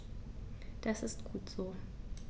Das ist gut so.